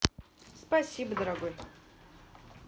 спасибо дорогой